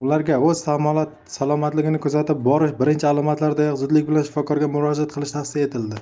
ularga o'z salomatligini kuzatib borish birinchi alomatlardayoq zudlik bilan shifokorga murojaat qilish tavsiya etildi